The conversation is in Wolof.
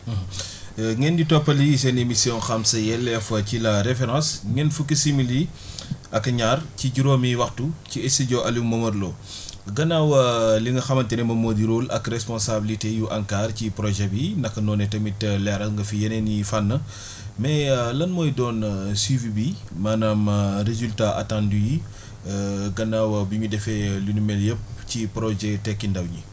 ngeen di toppandi seen émission xam sa yelleef ci la référence ñeent fukki simili ak ñaar ci juróomi waxtu ci studio Aliou Momar Lo gannaaw li nga xamante ni moom moo di rôle ak responsabilité yu ANCAR ci projet bi naka noonee tamit leeral nga fi yeneen i fànn mais lan mooy doon suivi bi maanaam résultat attendu yi gannaaw bi ñu defee lu ni mel yëpp ci projet Tekki Ndaw ñi